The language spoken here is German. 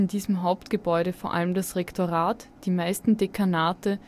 diesem Hauptgebäude vor allem das Rektorat, die meisten Dekanate